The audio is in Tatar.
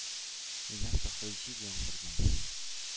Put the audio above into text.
Имән саклый җил-яңгырдан.